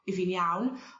'yf fi'n iawn